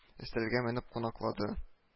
Өстәлгә менеп кунаклады